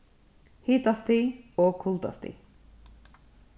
hitastig og kuldastig